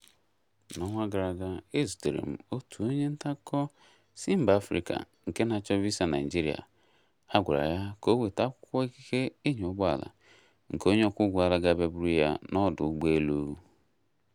N'ọnwa gara aga, e zutere m otu onye ntaakụkọ si mba Afrịka nke na-achọ visa Naịjirịa. A gwara ya ka o weta akwụkwọ ikike ịnya ụgbọala nke onye ọkwọụgbọala ga-abịa bụrụ ya n'ọdụ ụgbọelu!